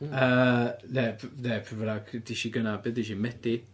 Yy neu p- neu pryd bynnag ddeudais i gynna, be ddeudais i Medi?.